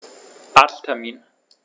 Arzttermin